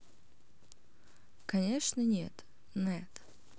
конечно нет nat